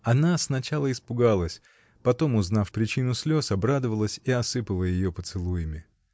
Она сначала испугалась, потом, узнав причину слез, обрадовалась и осыпала ее поцелуями.